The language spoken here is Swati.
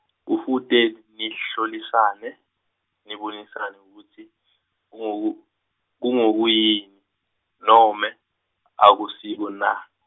kufute, nihlolisane, nibonisane kutsi kunguko, kunguko yini nome, akusiko na?